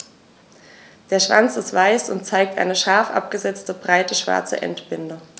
Der Schwanz ist weiß und zeigt eine scharf abgesetzte, breite schwarze Endbinde.